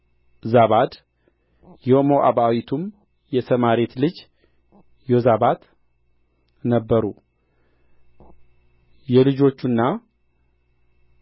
ዛባድ የሞዓባዊቱም የሰማሪት ልጅ ዮዛባት ነበሩ የልጆቹና